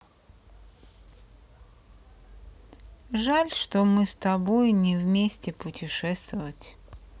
жаль что мы с тобой не вместе путешествовать